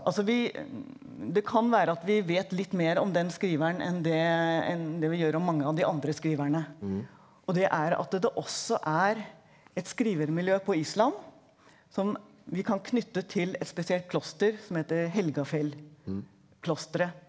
altså vi det kan være at vi vet litt mer om den skriveren enn det enn det vi gjør om mange av de andre skriverne og det er at det også er et skrivermiljø på Island som vi kan knytte til et spesielt kloster som heter Helgafellklostret.